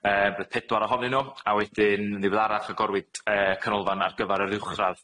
yym roedd pedwar ohonyn nw, a wedyn yn ddiweddarach agorwyd yy canolfan ar gyfar yr uwchradd.